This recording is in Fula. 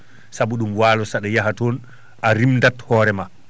sabu ɗum waalo saɗa yaaha toon a rimdat hoore ma